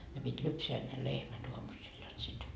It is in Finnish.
ne piti lypsää ne lehmät aamusilla jotta sitten